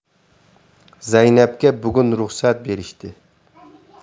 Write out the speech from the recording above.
zaynabga bugun ruxsat berishdi